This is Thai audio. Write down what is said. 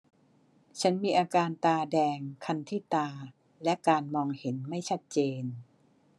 ฉันมีอาการตาแดงคันที่ตาและการมองเห็นไม่ชัดเจน